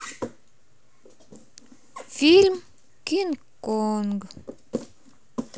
фильм кинг конг